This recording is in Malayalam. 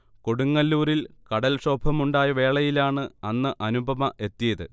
കൊടുങ്ങല്ലൂരിൽ കടൽക്ഷോഭമുണ്ടായ വേളയിലാണ് അന്ന് അനുപമ എത്തിയത്